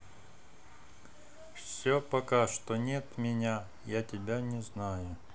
все пока что нет меня я тебя не знаю